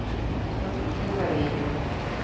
смотреть кинокомедию